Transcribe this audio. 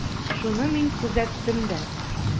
Шуны мин күзәттем дә.